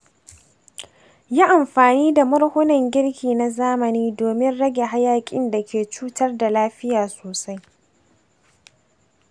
yi amfani da murhunan girki na zamani domin rage hayaƙin da ke cutar da lafiya sosai.